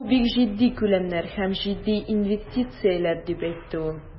Бу бик җитди күләмнәр һәм җитди инвестицияләр, дип әйтте ул.